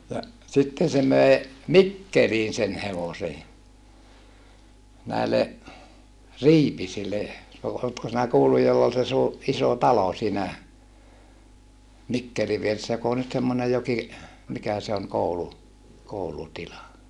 ja sitten se möi Mikkeliin sen hevosen ja näille Riipisille no oletko sinä kuullut jolla oli se - iso talo siinä Mikkelin vieressä joka on nyt semmoinen jokin mikä se on - koulutila